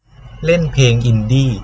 เล่นเพลงอินดี้